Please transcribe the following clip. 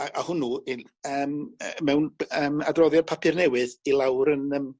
a- a hwnnw in yym yy mewn by- yym adroddiad papur newydd i lawr yn yym